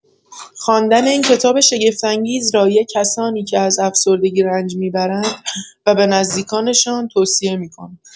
خواندن این کتاب شگفت‌انگیز را یه کسانی که از افسردگی رنج می‌برند و به نزدیکانشان توصیه می‌کنم.